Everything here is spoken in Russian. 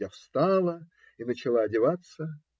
Я встала и начала одеваться.